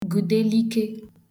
gùdelike